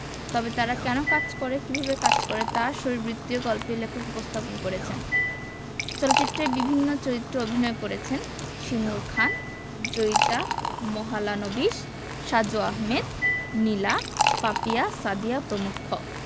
তবে তারা কেন কাজ করে কিভাবে কাজ করে তা শরীরবৃত্তীয় গল্পে লেখক উপস্থাপন করেছেন চলচ্চিত্রের বিভিন্ন চরিত্রে অভিনয় করেছেন শিমুল খান জয়িতা মাহলানোবিশ সাজু আহমেদ নীলা পাপিয়া সাদিয়া প্রমুখ